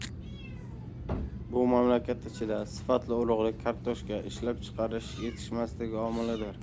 bu mamlakat ichida sifatli urug'lik kartoshka ishlab chiqarish yetishmasligi omilidir